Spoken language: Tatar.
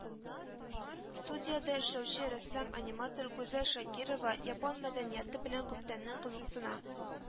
Студиядә эшләүче рәссам-аниматор Гүзәл Шакирова япон мәдәнияты белән күптәннән кызыксына